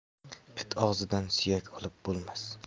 it og'zidan suyak olib bo'lmas